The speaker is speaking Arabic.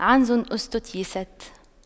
عنز استتيست